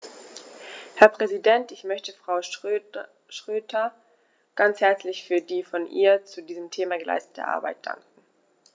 Herr Präsident, ich möchte Frau Schroedter ganz herzlich für die von ihr zu diesem Thema geleistete Arbeit danken.